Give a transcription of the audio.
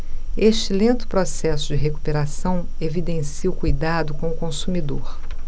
este lento processo de recuperação evidencia o cuidado com o consumidor